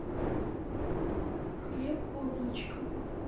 хлеб облачко